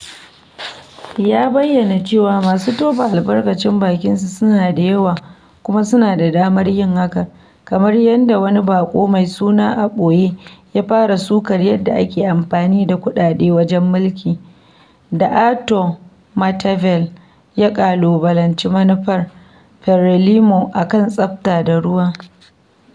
Ya bayyana cewa masu tofa albarkacin bakin su suna da yawa kuma suna da damar yin hakan, kamar yadda wani baƙo mai suna a ɓoye ya fara sukar yadda ake amfani da kuɗaɗe wajen mulki, da Artur Matavele ya ƙalubalanci manufar Frelimo kan tsafta da ruwa [pt].